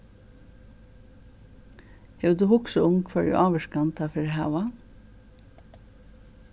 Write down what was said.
hevur tú hugsað um hvørja ávirkan tað fer at hava